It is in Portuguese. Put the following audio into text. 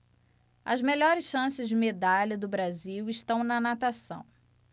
as melhores chances de medalha do brasil estão na natação